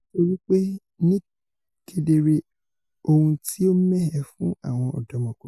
nítorípe ní kedere ohun ti o mẹ́hẹ̀ fún àwọn ọ̀dọ́mọkùrin.'